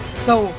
sâu